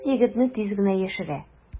Кыз егетне тиз генә яшерә.